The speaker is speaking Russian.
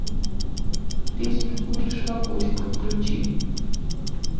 песня куришь в окошко включи